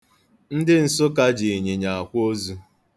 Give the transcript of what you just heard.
Ndị Nsụka ji ịnyịnya akwa ozu.